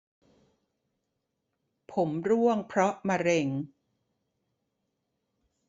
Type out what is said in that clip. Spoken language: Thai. ผมร่วงเพราะมะเร็ง